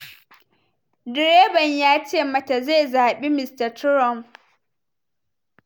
Direban ya ce mata zai zabi Mr. Trump.